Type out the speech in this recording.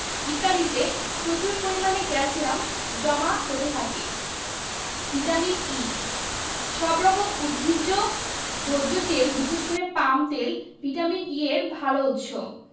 ইত্যাদিতে প্রচুর পরিমাণে ক্যালসিয়াম জমা হতে থাকে ভিটামিন E সব রকম উদ্ভিজ্জ ভোজ্য তেল বিশেষ করে পাম তেল ভিটামিন E এর ভালো উৎস